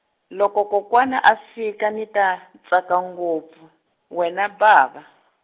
loko kokwana a fika ni ta, tsaka ngopfu, wena bava.